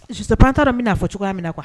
Su tan taara min'a fɔ cogoya min na kuwa